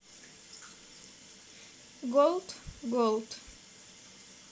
голд голд